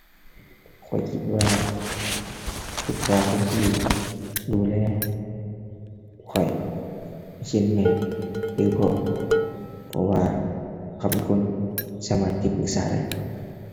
ข้อยคิดว่าปรึกษาคนที่ดูแลข้อย เช่น แม่หรือพ่อ เพราะว่าเขาเป็นคนสามารถที่ปรึกษาได้